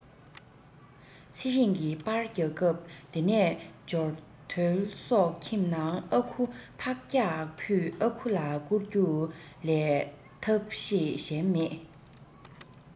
ཚེ རིང གི པར བརྒྱབ སྐབས དེ ནས འབྱོར ཐོ ལ སོགས ཁྱིམ ནང ཨ ཁུ ཕག སྐྱག ཕུད ཨ ཁུ ལ བསྐུར རྒྱུ ལས ཐབས ཤེས གཞན མེད